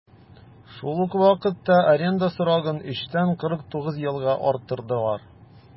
Шул ук вакытта аренда срогын 3 тән 49 елга арттырдылар.